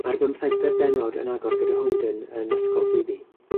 Mae'r bymthegfed bennod yn agor gyda Holden yn ysgol Pheobe.